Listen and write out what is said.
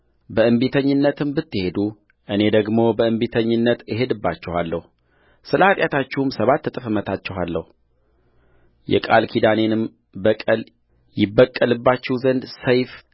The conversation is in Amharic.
በእንቢተኝነትም ብትሄዱእኔ ደግሞ በእንቢተኝነት እሄድባችኋለሁ ስለ ኃጢአታችሁም ሰባት እጥፍ እመታችኋለሁየቃል ኪዳኔንም በቀል ይበቀልባችሁ ዘንድ ሰይፍ